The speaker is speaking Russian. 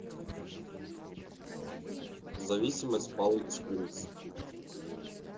зависмость палм спрингс